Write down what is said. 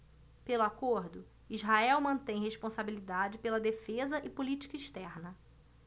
pelo acordo israel mantém responsabilidade pela defesa e política externa